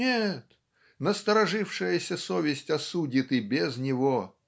нет, насторожившаяся совесть осудит и без него.